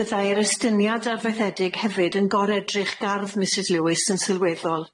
Byddai'r estyniad arfaethedig hefyd yn gor-edrych gardd Misys Lewis yn sylweddol.